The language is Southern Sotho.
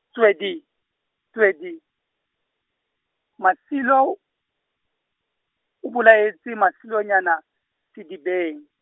tswidi, tswidi, Masilo, o bolaetse Masilonyane, sedibeng.